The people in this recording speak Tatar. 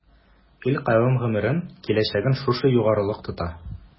Ил-кавем гомерен, киләчәген шушы югарылык тота.